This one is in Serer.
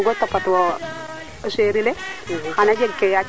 yu nga jam mi refu dembu tall Fatou Tall o Ndoundokh